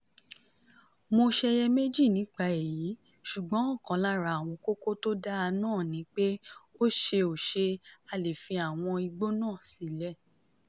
Mò ṣeyèméjì nípa èyí, ṣùgbọ́n ọ̀kan lára àwọn kókó to dáa náà ni pé ó ṣe ò ṣe a lè fi àwọn igbó náà sílẹ̀.